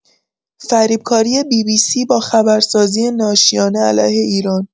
فریبکاری بی‌بی‌سی با خبرسازی ناشیانه علیه ایران